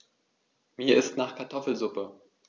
Mir ist nach Kartoffelsuppe.